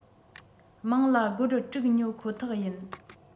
མང ལ སྒོར དྲུག ཉོ ཁོ ཐག ཡིན